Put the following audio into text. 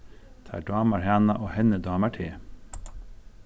tær dámar hana og henni dámar teg